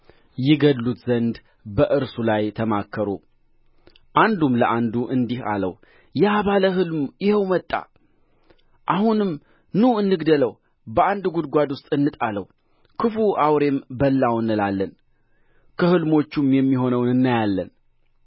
ይገድሉት ዘንድ በእርሱ ላይ ተማከሩ አንዱም ለአንዱ እንዲህ አለው ያ ባለ ሕልም ይኸው መጣ አሁንም ኑ እንግደለውና በአንድ ጕድጓድ ውስጥ እንጣለው ክፉ አውሬም በላው እንላለን ከሕልሞቹም የሚሆነውን እናያለን